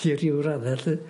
I ryw radde 'lly.